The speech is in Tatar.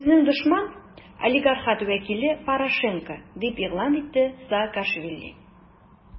Безнең дошман - олигархат вәкиле Порошенко, - дип игълан итте Саакашвили.